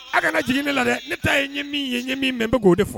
A ka ka jigin ne la dɛ ne taa ye ye ye min min bɛ k'o de fɔ